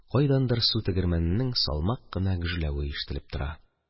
Кайдандыр су тегермәненең салмак кына гөжләве ишетелеп тора.